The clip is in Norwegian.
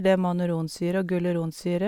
Det er mannuronsyre og guluronsyre.